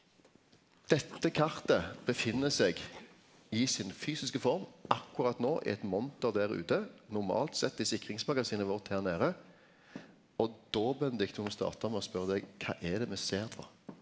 dette kartet er i sin fysiske form akkurat nå i eit monter der ute normalt sett i sikringsmagasinet vårt her nede, og då Benedicte må me starta med å spørje deg kva er det me ser på?